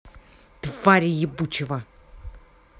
твари ебучего